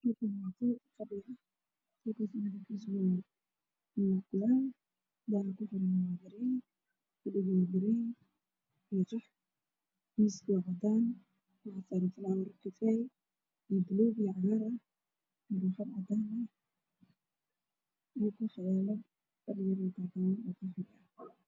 Halkaan waa qol fadhi ah nacnac kuleel daaaha li xiran gareey iyo cadaan puluug iyo cagaar ah muroxad cadaana ah sariir gaduud ah